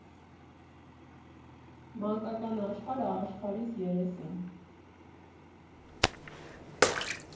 Մանկական աշխարհ աշխարհիս երեսին։